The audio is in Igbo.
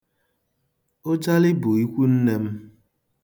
Ụjalị bụ ikwunne m